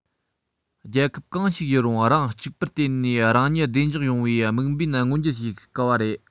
རྒྱལ ཁབ གང ཞིག ཡིན རུང རང གཅིག པུར བརྟེན ནས རང ཉིད བདེ འཇགས ཡོང བའི དམིགས འབེན མངོན འགྱུར བྱེད དཀའ བ རེད